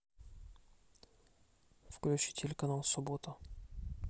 включи телеканал суббота